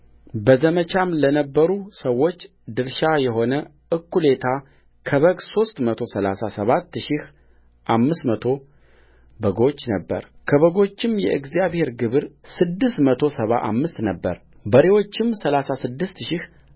በዘመቻም ለነበሩ ሰዎች ድርሻ የሆነ እኵሌታ ከበግ ሦስት መቶ ሠላሳ ሰባት ሺህ አምስት መቶ በጎች ነበረከበጎችም የእግዚአብሔር ግብር ስድስት መቶ ሰባ አምስት ነበረበሬዎችም ሠላሳ ስድስት ሺህ